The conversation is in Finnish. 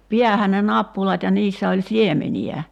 päähän ne nappulat ja niissä oli siemeniä